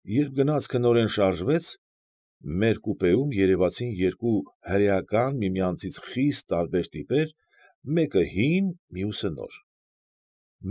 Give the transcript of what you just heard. Երբ գնացքը նորեն շարժվեց, մեր կուպեում երևացին երկու հրեական միմյանցից խիստ տարբեր տիպեր՝ մեկը հին, մյուսը նոր։